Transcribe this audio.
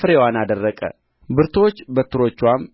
ፍሬዋን አደረቀ ብርቱዎች በትሮችዋም